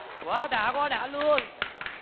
quá đã quá đã luôn